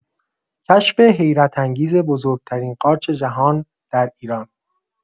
کشف حیرت‌انگیز بزرگ‌ترین قارچ جهان در ایران